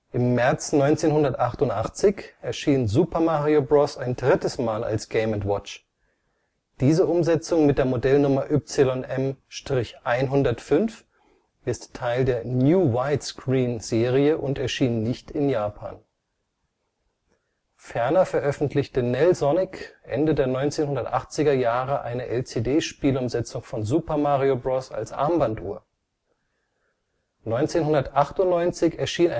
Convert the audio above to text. Im März 1988 erschien Super Mario Bros. ein drittes Mal als Game & Watch. Diese Umsetzung mit der Modellnummer YM-105 ist Teil der „ New-Wide-Screen “- Serie und erschien nicht in Japan. Ferner veröffentlichte Nelsonic Ende der 1980er Jahre eine LCD-Spiel-Umsetzung von Super Mario Bros. als Armbanduhr. 1998 erschien